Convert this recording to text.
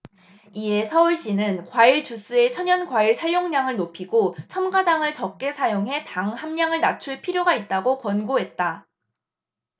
이에 서울시는 과일주스의 천연과일 사용량을 높이고 첨가당을 적게 사용해 당 함량을 낮출 필요가 있다고 권고했다